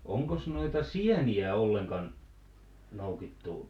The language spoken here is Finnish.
onkos noita sieniä ollenkaan noukittu